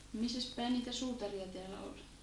missäs päin niitä suutareita täällä oli